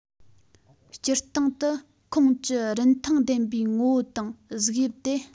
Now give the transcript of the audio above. སྤྱིར བཏང དུ ཁོངས ཀྱི རིན ཐང ལྡན པའི ངོ བོ དང གཟུགས དབྱིབས དེ